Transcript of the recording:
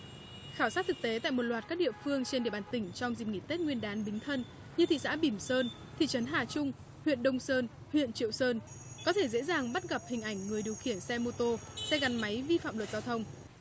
khảo sát thực tế tại một loạt các địa phương trên địa bàn tỉnh trong dịp nghỉ tết nguyên đán bính thân như thị xã bỉm sơn thị trấn hà trung huyện đông sơn huyện triệu sơn có thể dễ dàng bắt gặp hình ảnh người điều khiển xe mô tô xe gắn máy vi phạm luật giao thông